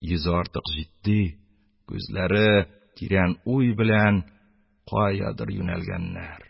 Йөзе артык җитди, күзләре тирән уй белән каядыр юнәлгәннәр...